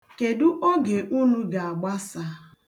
Kedụ oge unu ga-agbasa?